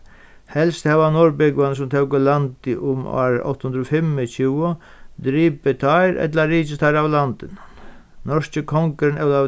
helst hava norðbúgvarnir sum tóku landið um ár átta hundrað og fimmogtjúgu dripið teir ella rikið teir av landinum norski kongurin ólavur